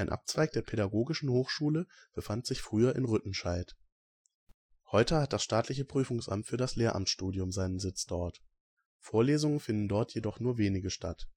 Abzweig der Pädagogischen Hochschule befand sich früher in Rüttenscheid. Heute hat das staatliche Prüfungsamt für das Lehramtsstudium seinen Sitz dort. Vorlesungen finden dort jedoch nur noch wenige statt